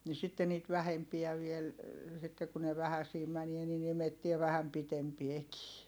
niin sitten niitä vähempiä vielä sitten kun ne vähäisiä menee niin imettää vähän pitempiäkin